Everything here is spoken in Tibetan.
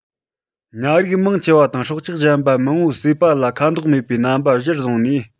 ཉ རིགས མང ཆེ བ དང སྲོག ཆགས གཞན པ མང པོའི གསུས པ ལ ཁ དོག མེད པའི རྣམ པ གཞིར བཟུང ནས